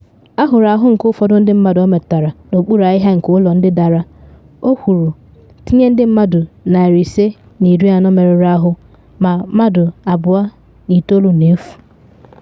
Ahụrụ ahụ nke ụfọdụ ndị mmadụ ọ metụtara n’okpuru ahịhịa nke ụlọ ndị dara, o kwuru, tinye ndị mmadụ 540 merụrụ ahụ ma 29 na efu.